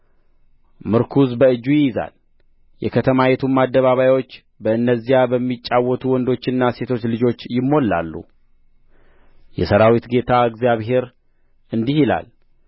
ምርኩዝ በእጁ ይይዛል የከተማይቱም አደባባዮች በእነዚያ በሚጫወቱ ወንዶችና ሴቶች ልጆች ይሞላሉ የሠራዊት ጌታ እግዚአብሔር እንዲህ ይላል